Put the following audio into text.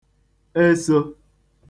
esō